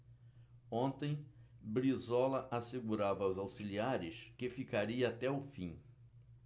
ontem brizola assegurava aos auxiliares que ficaria até o fim